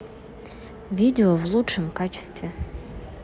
видео в лучшем качестве